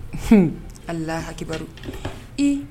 Un alaha haki ee